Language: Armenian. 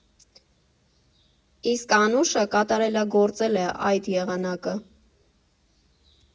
Իսկ Անուշը կատարելագործել է այդ եղանակը։